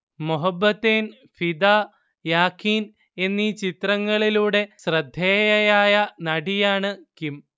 മൊഹബത്തെയ്ൻ, ഫിദ, യാഖീൻ എന്നീ ചിത്രങ്ങളിലൂടെ ശ്രദ്ധേയയായ നടിയാണ് കിം